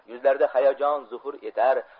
yuzlarida hayajon zuhur etar